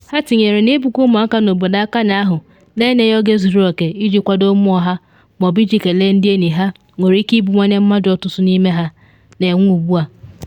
Ha tinyere na ibuga ụmụaka n’obodo akanya ahụ na enyeghi oge zuru oke iji kwadobe mmụọ ha ma ọ bụ iji kelee ndị enyi ha nwere ike ibuwanye mmaja ọtụtụ n’ime ha na enwe ugbu a.